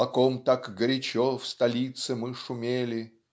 О ком так горячо в столице мы шумели